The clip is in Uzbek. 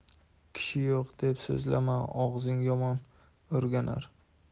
kishi yo'q deb so'zlama og'zing yomon o'rganar